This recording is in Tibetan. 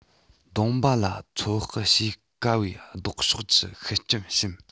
མདོང པ ལ ཚོད དཔག བྱེད དཀའ བའི ལྡོག ཕྱོགས ཀྱི ཤུགས རྐྱེན བྱིན